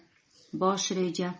bosh reja